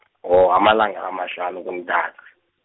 oh amalanga amahlanu kuNtaka.